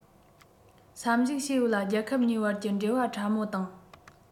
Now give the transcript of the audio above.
བསམ གཞིགས བྱས ཡོད ལ རྒྱལ ཁབ གཉིས བར གྱི འབྲེལ བ ཕྲ མོ དང